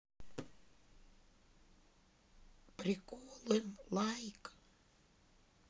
приколы лайк